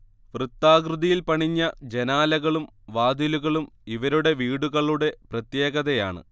വൃത്താകൃതിയിൽ പണിഞ്ഞ ജനാലകളും വാതിലുകളും ഇവരുടെ വീടുകളുടെ പ്രത്യേകതയാണ്